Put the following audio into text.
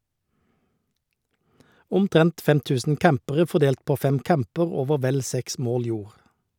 Omtrent 5000 campere fordelt på fem camper over vel seks mål jord.